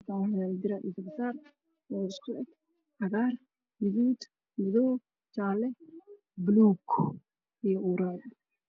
Halkan waxyalo dilac io garbasar oo isku eg cagar gadud madow jale balug io uraal